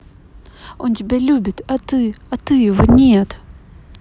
он тебя любит а ты а ты его нет